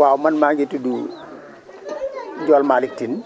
waaw man maa ngi tudd Ndiol Malick Tine